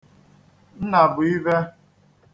Nnàbụ̀ivhe